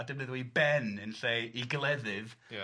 ...a defnyddio ei ben yn lle ei geleddyf... Ia.